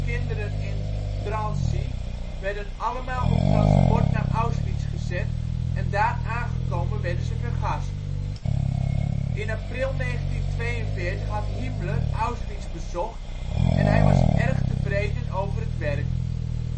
kinderen in Drancy werden allemaal op transport naar Auschwitz gezet en daar aangekomen werden ze vergast. In april 1942 had Himmler Auschwitz bezocht en hij was erg tevreden over het werk.